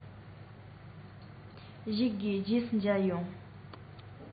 བཞུགས དགོས རྗེས སུ མཇལ ཡོང